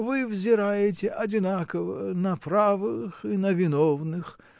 -- вы взираете одинаково на правых и на виновных.